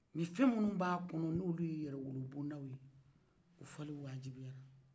nii fɛmunu b'a kɔnɔ n'o ye yɛrɛ bɔdaw ye o fɔli wajiibila